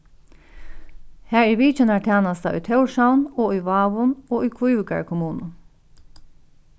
har er vitjanartænasta í tórshavn og í vágum og í kvívíkar kommunu